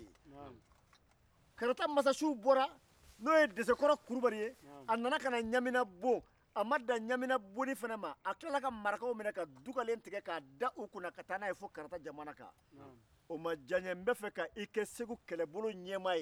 a ma dan ɲamina bonni ma a tilara ka marakaw minɛ ka dugalen tigɛ ka da u kun ka taa n'a ye fo karata jamana kan o ma diya n ye n b'a fɛ ka i kɛ segu kɛlɛbolo ɲɛmaa ye